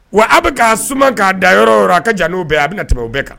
Wa a bi ka suma ka dan yɔrɔ o yɔrɔ a ka jan no bɛɛ a bi na tɛmɛ o bɛɛ kan.